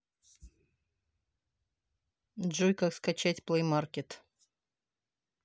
джой как скачать плей маркет